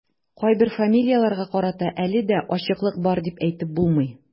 Кайбер фамилияләргә карата әле дә ачыклык бар дип әйтеп булмый.